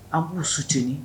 A b'u suteniinin